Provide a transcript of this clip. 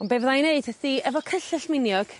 Ond be' fydda i'n neud ydi efo cyllyll miniog